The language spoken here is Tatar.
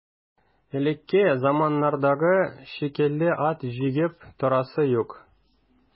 Элекке заманнардагы шикелле ат җигеп торасы юк.